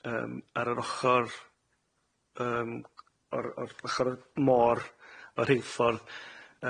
Yym ar yr ochor yym o'r o'r ochor y môr y rheilffordd.